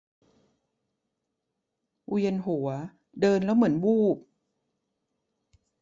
เวียนหัวเดินแล้วเหมือนวูบ